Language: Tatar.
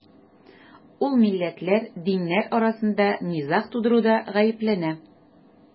Ул милләтләр, диннәр арасында низаг тудыруда гаепләнә.